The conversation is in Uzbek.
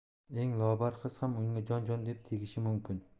eng lobar qiz ham unga jon jon deb tegishi mumkin